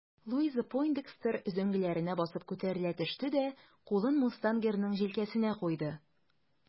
Луиза Пойндекстер өзәңгеләренә басып күтәрелә төште дә кулын мустангерның җилкәсенә куйды.